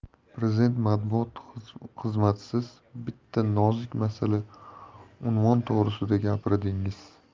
prezident matbuot xizmatisiz bitta nozik masala unvon to'g'risida gapirdingiz